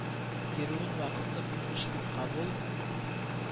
Йөрүен вакытлы күренеш дип кабул